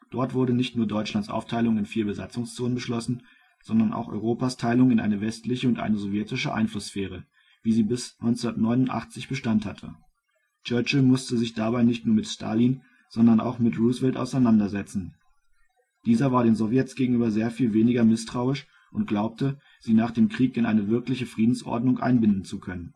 Dort wurde nicht nur Deutschlands Aufteilung in vier Besatzungszonen beschlossen, sondern auch Europas Teilung in eine westliche und eine sowjetische Einflusssphäre, wie sie bis 1989 Bestand hatte. Churchill musste sich dabei nicht nur mit Stalin, sondern auch mit Roosevelt auseinandersetzen: Dieser war den Sowjets gegenüber sehr viel weniger misstrauisch und glaubte, sie nach dem Krieg in eine wirkliche Friedensordnung einbinden zu können